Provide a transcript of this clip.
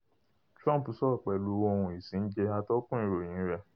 Trump sọ̀rọ̀ pẹ̀lú ohun ìsínjẹ ''atọ́kùn ìròyìn rẹ̀."